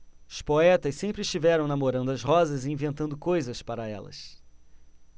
os poetas sempre estiveram namorando as rosas e inventando coisas para elas